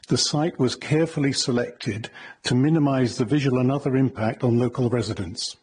The site was carefully selected to minimise the visual and other impact on local residents.